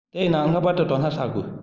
དེའི ནང ལྷག པར དུ དོ སྣང བྱ དགོས